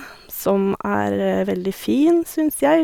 Som er veldig fin, synes jeg.